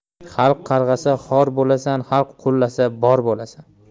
xalq qarg'asa xor bo'lasan xalq qo'llasa bor bo'lasan